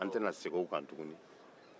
an tɛna segin o kan tuguni